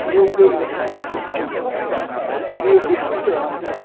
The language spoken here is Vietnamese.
nhiều trường hiện nay không đảm bảo điều kiện chất lượng